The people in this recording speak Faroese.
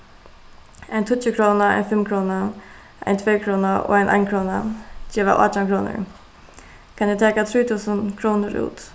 ein tíggjukróna ein fimmkróna ein tveykróna og ein einkróna geva átjan krónur kann eg taka trý túsund krónur út